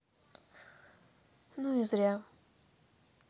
ну и зря